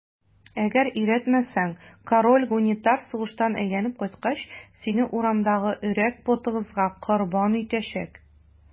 Әгәр өйрәтмәсәң, король Гунитар сугыштан әйләнеп кайткач, сине урмандагы Өрәк потыгызга корбан итәчәк.